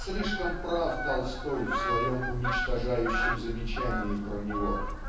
Слишком прав Толстой в своем уничтожающем замечании про него